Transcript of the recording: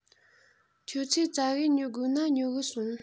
ཁྱོད ཆོས ཙ གེ ཉོ དགོ ན ཉོ གི སོང